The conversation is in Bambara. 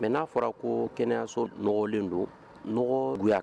Mɛ n'a fɔra ko kɛnɛyaso nɔgɔlen don nya